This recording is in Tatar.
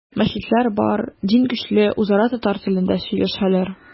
Мәчетләр бар, дин көчле, үзара татар телендә сөйләшәләр.